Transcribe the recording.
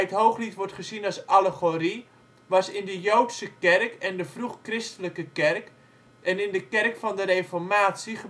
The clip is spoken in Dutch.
Hooglied wordt gezien als allegorie was in de joodse kerk en de vroeg-christelijke kerk en in de kerk van de Reformatie